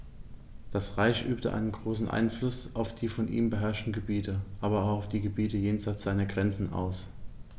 Das Reich übte einen großen Einfluss auf die von ihm beherrschten Gebiete, aber auch auf die Gebiete jenseits seiner Grenzen aus.